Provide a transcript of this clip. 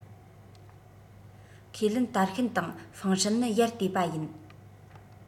ཁས ལེན དར ཤན དང ཧྥང ཧྲན ནི ཡར བལྟས པ ཡིན